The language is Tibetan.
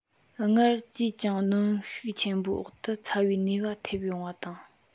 སྔར ཅིས ཀྱང གནོན ཤུགས ཆེན པོའི འོག ཏུ ཚ བའི ནུས པ ཐེབས མྱོང བ དང